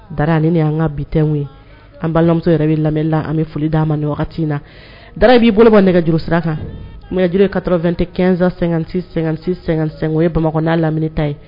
Da an ka bi ye an balimamuso yɛrɛ bɛ lamɛnla an bɛ foli d' an ma wagati in na da b'i boloba nɛgɛ juruuru sira kanj katɔ2 tɛ kɛɛnsan sɛgɛn o ye bamakɔ n'a lamini ta ye